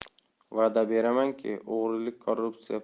va'da beramanki o'g'rilik korrupsiya